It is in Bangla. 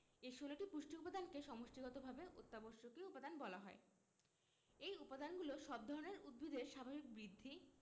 এ ১৬টি পুষ্টি উপাদানকে সমষ্টিগতভাবে অত্যাবশ্যকীয় উপাদান বলা হয় এই উপাদানগুলো সব ধরনের উদ্ভিদের স্বাভাবিক বৃদ্ধি